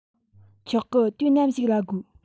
ཆོག གི དུས ནམ ཞིག ལ དགོས